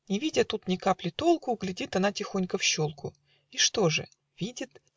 Не видя тут ни капли толку, Глядит она тихонько в щелку, И что же видит?.